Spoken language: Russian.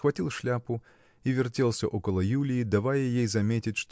схватил шляпу и вертелся около Юлии давая ей заметить